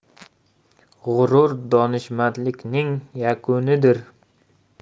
g'urur donishmandlikning yakunidir